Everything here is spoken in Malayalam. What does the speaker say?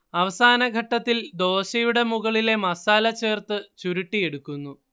അവസാന ഘട്ടത്തിൽ ദോശയുടെ മുകളിലെ മസാല ചേർത്ത് ചുരുട്ടിയെടുക്കുന്നു